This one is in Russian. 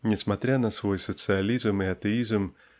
несмотря на свой социализм и атеизм